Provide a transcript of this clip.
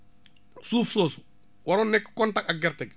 suuf soosu waroon nekk contact ak gerte gi